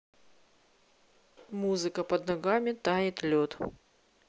музыка под ногами тает лед